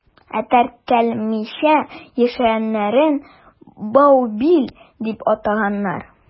Ә теркәлмичә яшәгәннәрен «баубил» дип атаганнар.